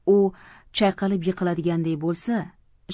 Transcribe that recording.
u chayqalib yiqiladigandek bo'lsa